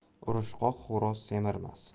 urushqoq xo'roz semirmas